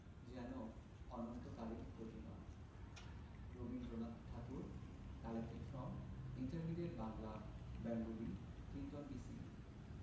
যেন অনন্তকালেরই প্রতিমা Rabindranath Thakur collected from intermediate Bangla Bengali Clinton B Seely